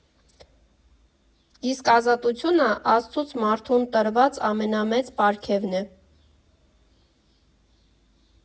Իսկ ազատությունը Աստծուց մարդուն տրված ամենամեծ պարգևն է։